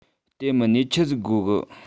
དེ མིན ནས ཆི ཟིག དགོ གི